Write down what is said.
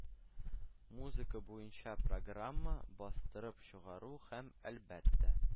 Музыка буенча программа” бастырып чыгару һәм, әлбәттә,